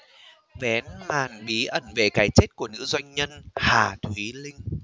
vén màn bí ẩn về cái chết của nữ doanh nhân hà thúy linh